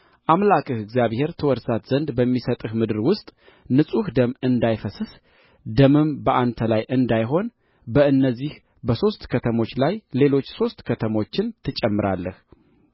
አምላክህ እግዚአብሔር ትወርሳት ዘንድ በሚሰጥህ ምድር ውስጥ ንጹሕ ደም እንዳይፈስስ ደምም በአንተ ላይ እንዳይሆን በእነዚህ በሦስት ከተሞች ላይ ሌሎች ሦስት ከተሞችን ትጨምራለህ